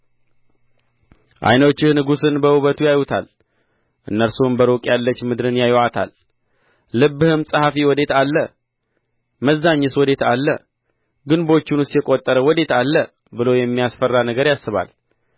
ዓይኖችህ ንጉሥን በውበቱ ያዩታል እነርሱም በሩቅ ያለች ምድርን ያዩአታል ልብህም ጸሐፊ ወዴት አለ መዛኝስ ወዴት አለ ግንቦቹንስ የቈጠረ ወዴት አለ ብሎ የሚያስፈራ ነገር ያስባል